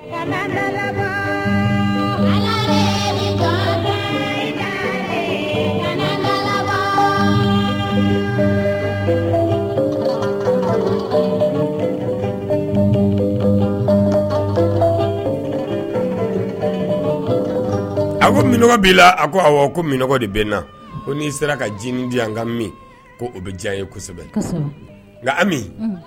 A ko minɛnɔgɔ b'i la a ko ko minɛnɔgɔ de bɛ na ko n'i sera ka jinin di an ka min ko o bɛ diya ye kosɛbɛ nka ami min